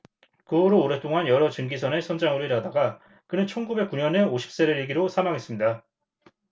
그 후로 오랫동안 여러 증기선의 선장으로 일하다가 그는 천 구백 구 년에 오십 세를 일기로 사망했습니다